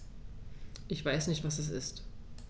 Ich weiß nicht, was das ist.